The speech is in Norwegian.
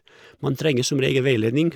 Man trenger som regel veiledning.